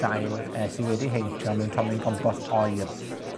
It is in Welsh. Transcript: dail, yy sy wedi heintio mewn tomen compost oer .